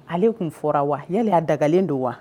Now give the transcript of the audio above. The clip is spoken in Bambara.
Ale tun fɔra wa yalali' dagalen don wa